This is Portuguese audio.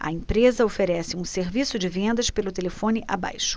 a empresa oferece um serviço de vendas pelo telefone abaixo